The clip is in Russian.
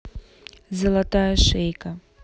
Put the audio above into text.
золотая шейка